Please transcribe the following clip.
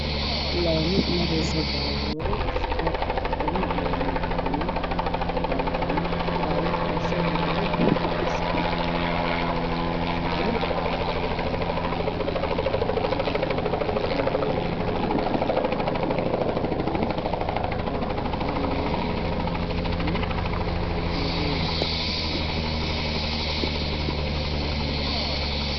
Laami marayso baabuuro dad badan iyo mootooyin baabuur baabuurka usoo horeeyo